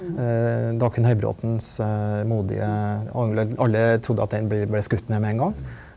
Dagfinn Høybråtens modige alle trodde at den blir ble skutt ned med en gang.